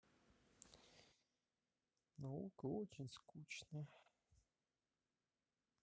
наука очень скучная